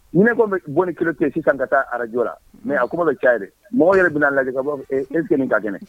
Ne bɔ ki ten sisan ka taa arajo la mɛ a ko' bɛ ca ye dɛ mɔgɔ yɛrɛ bɛnaa lajɛ ka e nin ka kɛnɛ